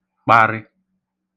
kparị